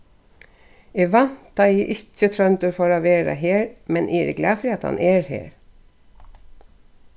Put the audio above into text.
eg væntaði ikki tróndur fór at vera her men eg eri glað fyri at hann er her